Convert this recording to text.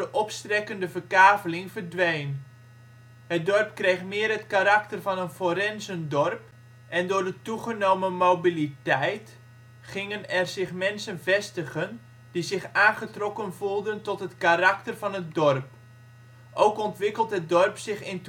opstrekkende verkaveling verdween. Het dorp kreeg meer het karakter van een forenzendorp en door de toegenomen mobiliteit gingen er zich mensen vestigen die zich aangetrokken voelden tot het karakter van het dorp. Ook ontwikkelt het dorp zich in